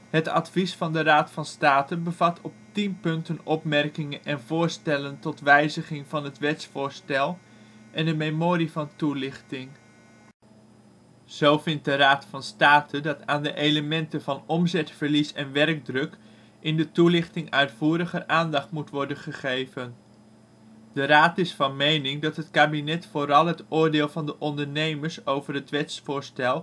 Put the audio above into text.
Het Advies van de Raad van State bevat op tien punten opmerkingen en voorstellen tot wijziging van het wetsvoorstel en de memorie van toelichting. Zo vindt de Raad van State dat aan de elementen van omzetverlies en werkdruk in de toelichting uitvoeriger aandacht moet worden gegeven. De Raad is van mening dat het kabinet vooral het oordeel van de ondernemers over het wetsvoorstel